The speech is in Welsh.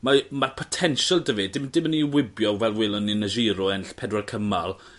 mae ma' potensial 'da fe dim dim yn 'i wibio fel welon ni yn y Giro ennill pedwar cymal